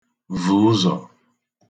və̀ ụzọ̀